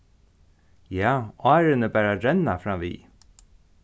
ja árini bara renna framvið